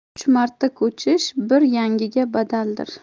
uch marta ko'chish bir yangiga badaldir